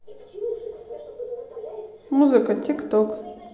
музыка тик ток